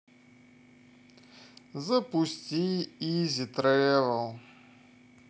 запусти изи тревел